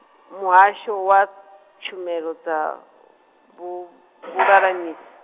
Muhasho wa Tshumelo dza Vhu- vhulalamisi.